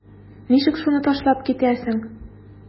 Ничек шуны ташлап китәсең?